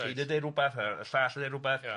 bach yn deud rwbath a yy y llall yn deud rwbath ia.